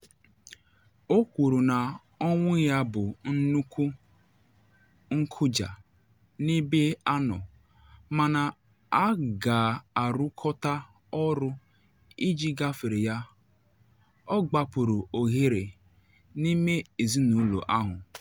O kwuru na ọnwụ ya bụ nnukwu nkụja n’ebe ha nọ, mana ha ga-arụkọta ọrụ iji gafere ya: “Ọ gbapuru oghere n’ime ezinụlọ ahụ.